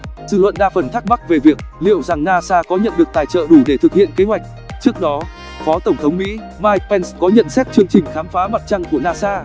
dư luận đa phần thắc mắc về việc liệu rằng nasa có nhận được tài trợ đủ để thực hiện kế hoạch trước đó phó tổng thống mỹ mike pence có nhận xét chương trình khám phá mặt trăng của nasa